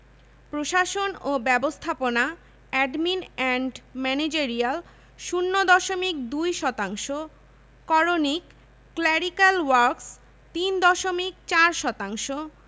প্রশাসন ও ব্যবস্থাপনা এডমিন এন্ড ম্যানেজেরিয়াল ০ দশমিক ২ শতাংশ করণিক ক্ল্যারিক্যাল ওয়ার্ক্স ৩ দশমিক ৪ শতাংশ